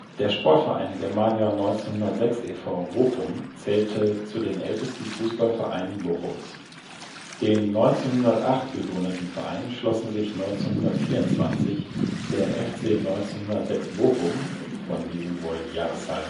Der Sportverein Germania 1906 e.V. Bochum zählte zu den ältesten Fußballvereinen Bochums. Dem 1908 gegründeten Verein schlossen sich 1924 der FC 1906 Bochum (von diesem wurde die Jahreszahl